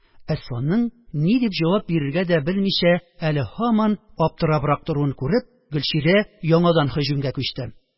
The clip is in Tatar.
Әсфанның ни дип җавап бирергә дә белмичә, әле һаман аптырабрак торуын күреп, Гөлчирә яңадан һөҗүмгә күчте